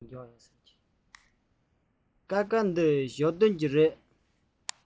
དཀར པོ འདི ཞའོ ཏོན གྱི རེད